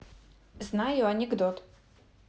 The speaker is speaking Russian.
знаю анекдот